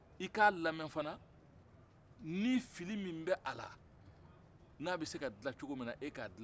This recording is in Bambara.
i k'a lamɛ fana ni fili min bɛ a la n'a bɛ se ka dilan cogo min na e ka dilan